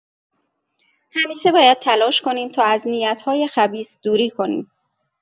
همیشه باید تلاش کنیم تا از نیت‌های خبیث دوری کنیم.